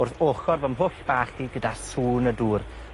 wrth ochor fy mhwll bach i gyda sŵn y dŵr